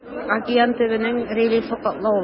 Океан төбенең рельефы катлаулы.